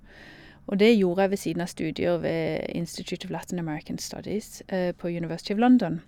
Og det gjorde jeg ved siden av studier ved Institute of Latin American Studies på University of London.